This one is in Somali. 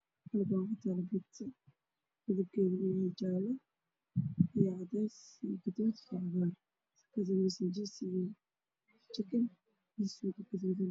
Waa biizo midabkeeda guduud